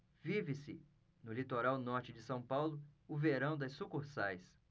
vive-se no litoral norte de são paulo o verão das sucursais